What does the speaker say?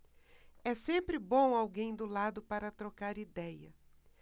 é sempre bom alguém do lado para trocar idéia